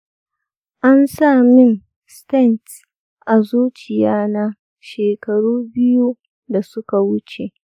an sa min stent a zuciyana shekaru biyu da suka wuce.